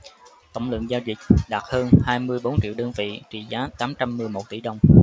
tổng lượng giao dịch đạt hơn hai mươi bốn triệu đơn vị trị giá tám trăm mười một tỷ đồng